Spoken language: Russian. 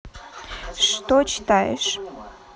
что читаешь